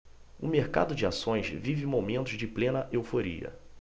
o mercado de ações vive momentos de plena euforia